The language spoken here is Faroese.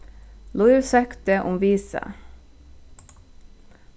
lív søkti um visa